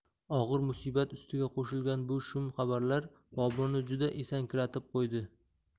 og'ir musibat ustiga qo'shilgan bu shum xabarlar boburni juda esankiratib qo'ydi